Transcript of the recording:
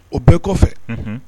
O bɛɛ kɔfɛ